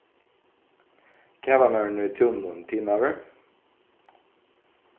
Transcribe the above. kavamaðurin í túninum er tiðnaður